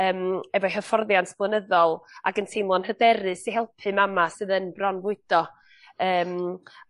yym efo'u hyfforddiant blynyddol ac yn teimlo'n hyderus i helpu mama sydd yn bronfwydo yym